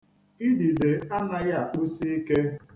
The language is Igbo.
Idide anaghị akpụsi ike.